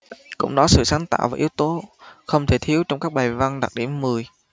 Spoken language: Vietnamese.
cùng đó sự sáng tạo là yếu tố không thể thiếu trong các bài văn đạt điểm mười